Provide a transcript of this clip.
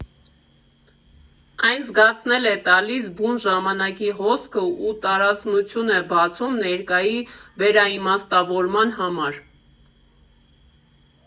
Այն զգացնել է տալիս բուն ժամանակի հոսքը ու տարածություն է բացում ներկայի վերաիմաստավորման համար։